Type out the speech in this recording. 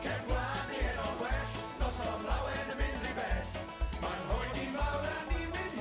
Cefn Gwlad neu Heno'n well, noson lawen yn mynd rhy bell, ma'n rhoi ni lawr a ni'n mynd...